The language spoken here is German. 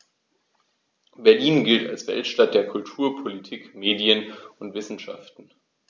Berlin gilt als Weltstadt der Kultur, Politik, Medien und Wissenschaften.